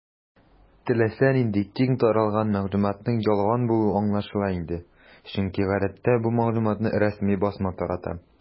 Теләсә нинди киң таралган мәгълүматның ялган булуы аңлашыла иде, чөнки гадәттә бу мәгълүматны рәсми басма тарата.